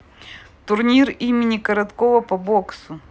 турнир имени короткова по боксу